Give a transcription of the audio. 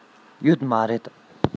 ཡོད མ རེད